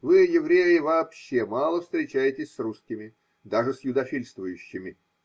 Вы, евреи, вообще мало встречаетесь с русскими. даже с юдофильствующими